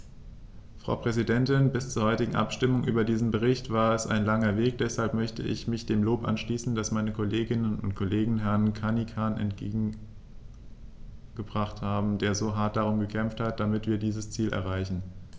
Frau Präsidentin, bis zur heutigen Abstimmung über diesen Bericht war es ein langer Weg, deshalb möchte ich mich dem Lob anschließen, das meine Kolleginnen und Kollegen Herrn Cancian entgegengebracht haben, der so hart darum gekämpft hat, damit wir dieses Ziel erreichen.